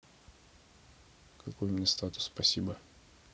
какой у меня статус спасибо